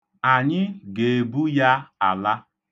Anyị ga-ebu ya ala.